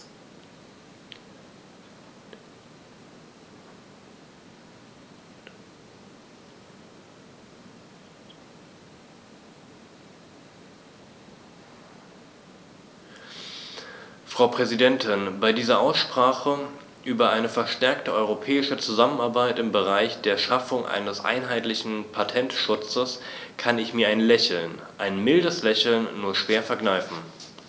Frau Präsidentin, bei dieser Aussprache über eine verstärkte europäische Zusammenarbeit im Bereich der Schaffung eines einheitlichen Patentschutzes kann ich mir ein Lächeln - ein mildes Lächeln - nur schwer verkneifen.